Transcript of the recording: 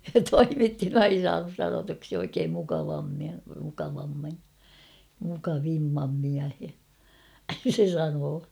se toimitti ei se saanut sanotuksi oikein mukavammin mukavammin mukavimman miehen se sanoi